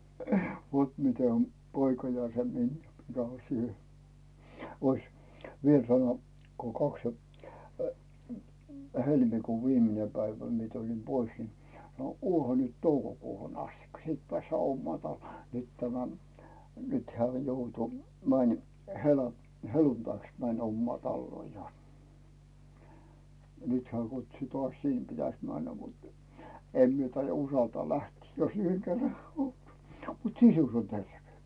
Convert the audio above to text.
vot miten on poika ja se miniä mikä on siihen olisi vielä sanoa kun kaksi ja helmikuun viimeinen päivä minä tulin pois niin no olehan nyt toukokuuhun asti sitten päästään omaan taloon nyt tämä nyt hän joutui meni - helluntaiksi meni omaan taloon ja ja nyt hän kutsui taas sinne pitäisi mennä mutta en minä taida uskaltaa lähteä jos yhden kerran mutta sisus on terve